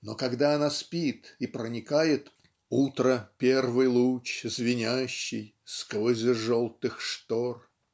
Но когда она спит и проникает "утра первый луч звенящий сквозь желтых штор"